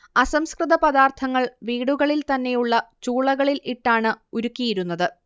അസംസ്കൃത പദാർത്ഥങ്ങൾ വീടുകളിൽ തന്നെയുള്ള ചൂളകളിൽ ഇട്ടാണ് ഉരുക്കിയിരുന്നത്